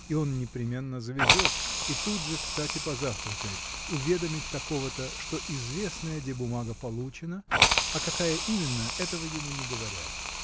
и он непременно завезет и тут же кстати позавтракает – уведомить такого-то что известная-де бумага получена а какая именно этого ему не говорят